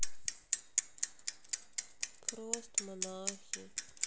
фрост монахи